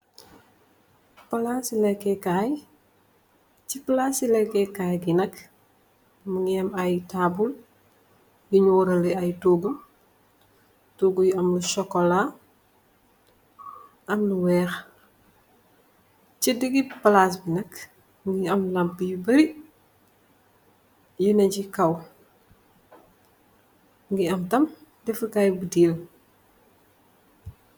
Palaas i leekë kaay, ci palaasi leekë kaay bi nak, mu ngi am taabul buñg wërële ay toogu, toogu yu am sokolaa ak yu weex. Ci diggë palaas bi mak, mu ngi am lampa yu bêri, yu ne si kow. Mu ngi am tam, defu kaay butel.